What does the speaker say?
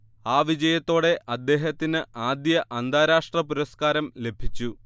ആ വിജയത്തോടെ അദ്ദേഹത്തിന് ആദ്യ അന്താരാഷ്ട്ര പുരസ്കാരം ലഭിച്ചു